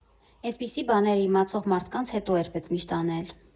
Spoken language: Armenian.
Էդպիսի բաները իմացող մարդկանց հետո էր պետք միշտ անել։